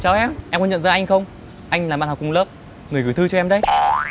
chào em em có nhận ra anh không anh là bạn học cùng lớp người gửi thư cho em đấy